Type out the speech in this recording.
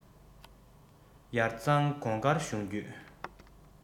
ཡར གཙང གོང དཀར གཞུང བརྒྱུད